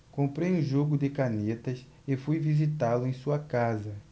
comprei um jogo de canetas e fui visitá-lo em sua casa